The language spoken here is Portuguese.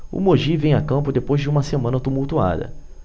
o mogi vem a campo depois de uma semana tumultuada